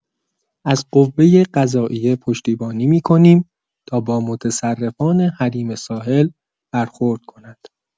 از قوه‌قضائیه پشتیبانی می‌کنیم تا با متصرفان حریم ساحل برخورد کند.